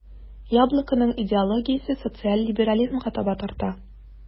"яблоко"ның идеологиясе социаль либерализмга таба тарта.